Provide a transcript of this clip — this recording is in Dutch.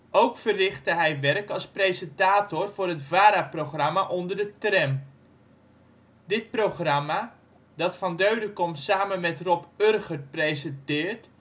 Ook verrichtte hij werk als presentator voor het VARA-programma Onder de tram. Dit programma, dat van Deudekom samen met Rob Urgert presenteert